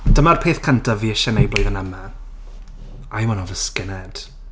Dyma'r peth cynta fi eisiau wneud blwyddyn yma. I want to have a skinhead.